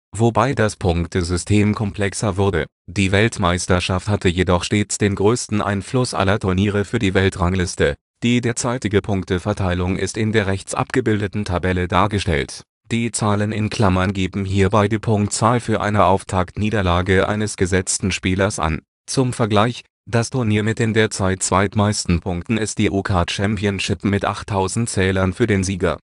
wobei das Punktesystem komplexer wurde. Die Weltmeisterschaft hatte jedoch stets den größten Einfluss aller Turniere für die Weltrangliste. Die derzeitige Punkteverteilung ist in der rechts abgebildeten Tabelle dargestellt. Die Zahlen in Klammern geben hierbei die Punktzahl für eine Auftaktniederlage eines gesetzten Spielers an. Zum Vergleich: Das Turnier mit den derzeit zweitmeisten Punkten ist die UK Championship mit 8.000 Zählern für den Sieger